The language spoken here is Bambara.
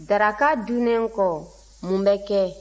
daraka dunnen kɔ mun bɛ kɛ